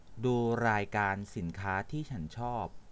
ดูรายการสินค้าที่ฉันชอบ